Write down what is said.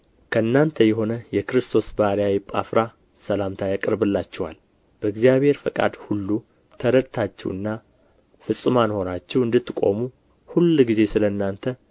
ከእናንተ የሆነ የክርስቶስ ባሪያ ኤጳፍራ ሰላምታ ያቀርብላችኋል በእግዚአብሔር ፈቃድ ሁሉ ተረድታችሁና ፍጹማን ሆናችሁ እንድትቆሙ ሁልጊዜ ስለ እናንተ